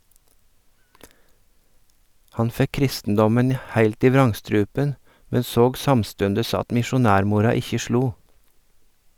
Han fekk kristendommen heilt i vrangstrupen, men såg samstundes at misjonærmora ikkje slo.